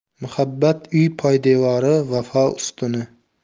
muhabbat uy poydevori vafo ustuni